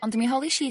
Ond mi holish...